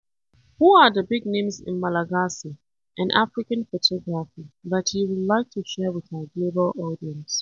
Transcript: FN: Who are the big names in Malagasy and African photography that you would like to share with our global audience?